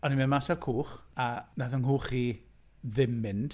O'n i'n mynd mas â'r cwch a wnaeth yng nghwch i ddim mynd.